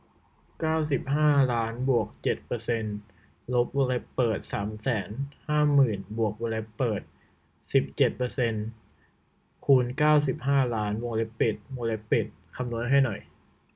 เก้าสิบห้าล้านบวกเจ็ดเปอร์เซนต์ลบวงเล็บเปิดสามแสนห้าหมื่นบวกวงเล็บเปิดสิบเจ็ดเปอร์เซนต์คูณเก้าสิบห้าล้านวงเล็บปิดวงเล็บปิดคำนวณให้หน่อย